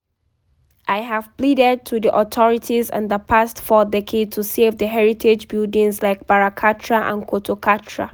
I have pleaded to the authorities in the past four decades to save the heritage buildings like Bara Katra and Choto Katra.